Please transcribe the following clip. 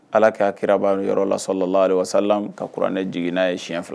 Ala' kirabaa yɔrɔ lasɔrɔla la sala ka kuran ne jigin n' ye siɲɛ fila